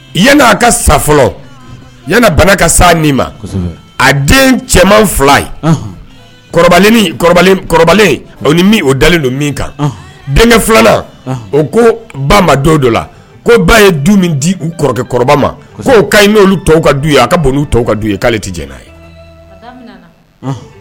A ka sa fɔlɔ yan bana ka sa ni ma a den cɛman fila ye o dalen don min kan denkɛ filanan o ko ba ma don dɔ la ko ba ye du min di u kɔrɔkɛ kɔrɔba ma kaolu tɔw ka du u ye a ka tɔw ka ye'ale tɛ j n'a ye